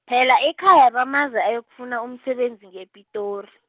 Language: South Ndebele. phela, ekhaya bamazi ayokufuna umsebenzi ngePitori.